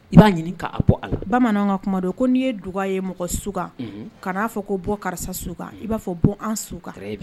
I b'a ɲini'a bɔ a bamanan ka kuma don ko n'i ye dug ye mɔgɔ suka kaa fɔ ko bɔ karisa su kan i b'a bɔ an su